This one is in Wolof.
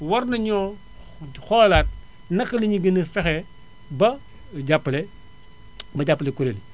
war nañoo xoolaat naka lañuy gën a fexee ba jàppale ba jàppale kuréel yi